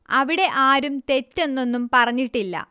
അവിടെ ആരും തെറ്റ് എന്നൊന്നും പറഞ്ഞിട്ടില്ല